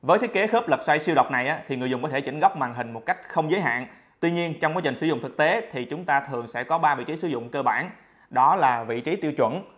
với thiết kế khớp lật xoay siêu độc này thì người dùng có thể chỉnh góc màn hình không giới hạn tuy nhiên trong quá trình sử dụng thực tế thì chúng ta thường sẽ có vị trí sử dụng cơ bản đó là vị trí tiêu chuẩn